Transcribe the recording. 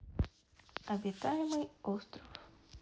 обитаемый остров